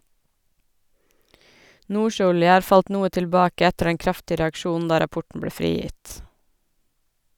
Nordsjø-olje har falt noe tilbake etter den kraftige reaksjonen da rapporten ble frigitt.